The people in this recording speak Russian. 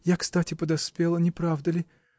Я кстати подоспела, не правда ли?